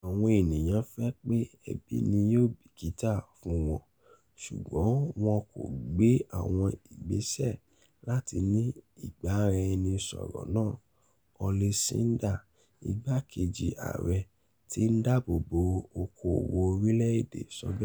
"Àwọn ènìyàn fẹ́ pé ẹbí ni ò bìkítà fún wọn, ṣùgbọ́n wọn kò gbé àwọn ìgbésẹ̀ láti ní ìbáraẹnisọ̀rọ̀ náà," Holly Snyder, igbákejì ààrẹ tí ìdábòbò okowo orilẹ̀-èdè, sọ bẹ́ẹ̀.